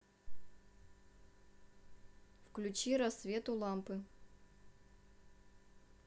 включи рассвет у лампы